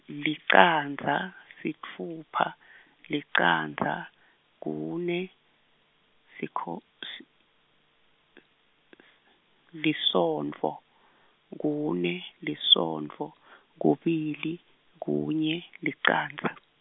licandza, sitfupha, licandza, kune, sikho- s- lisontfo, kune, lisontfo, kubili, kunye, licandza.